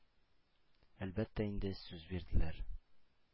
Әлбәттә инде, сүз бирделәр.